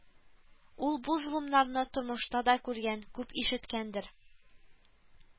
Ул бу золымнарны тормышта да күргән, күп ишеткәндер